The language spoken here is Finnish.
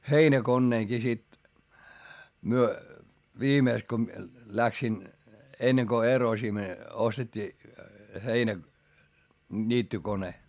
heinäkoneenkin sitten me viimeksi kun minä lähdin ennen kuin - ostettiin - heinäniittokone